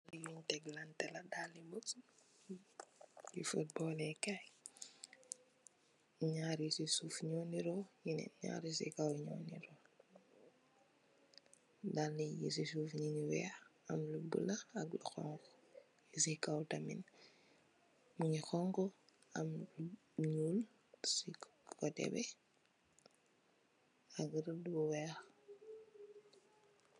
Yuñ teklaante la, daali buts, ñaar yi si kow ñoo nirro, ñaar yi suuf ñoo nirro. Dallë yi suuf ñu ngi weex, am lu bulo ak lu xoñxu. Yu si kow tamit, my ngi xoñxu, am lu ñuul si kotte bi, ak rëddë Wu weex.